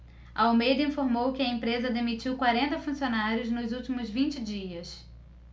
almeida informou que a empresa demitiu quarenta funcionários nos últimos vinte dias